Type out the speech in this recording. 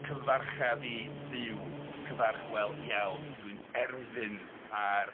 Cyfarcha fi Dduw, cyfarch wel iawn. Dwi'n erfyn ar.